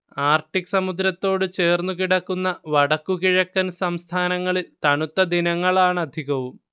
Arctic സമുദ്രത്തോടു ചേർന്നുകിടക്കുന്ന വടക്കു കിഴക്കൻ സംസ്ഥാനങ്ങളിൽ തണുത്ത ദിനങ്ങളാണധികവും